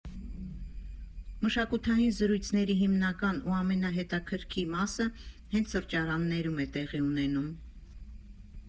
Մշակութային զրույցների հիմնական ու ամենահետաքրքի մասը հենց սրճարաններում է տեղի ունենում։